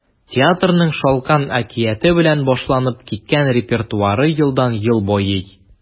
Театрның “Шалкан” әкияте белән башланып киткән репертуары елдан-ел байый.